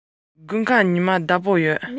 གཉིད ཀྱི བདེ བ ཡང དཀྲོགས སོང